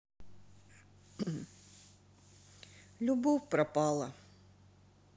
любовь пропала